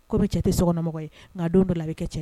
Kɔmi cɛ tɛ so kɔnɔmɔgɔ ye nka denw dɔ la i kɛ cɛn